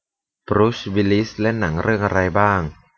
บรูซวิลลิสเล่นหนังเรื่องอะไรบ้าง